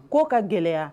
K' ka gɛlɛya